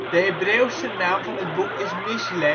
Hebreeuwse naam van het boek is Misjlei